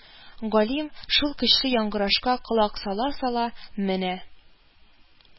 Галим, шул көчле яңгырашка колак сала-сала: «Менә